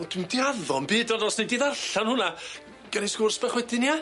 O dwi'm di addo'm byd ond os nei di ddarllan hwnna, gawn ni sgwrs bach wedyn ia?